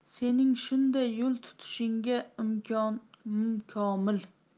sening shunday yo'l tutishingga imonim komil